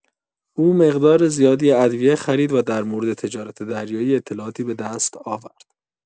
او مقدار زیادی ادویه خرید و در مورد تجارت دریایی اطلاعاتی به دست آورد.